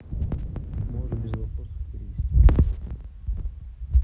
можешь без вопросов перевести пожалуйста